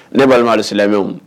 Ne balima alsilamɛmɛw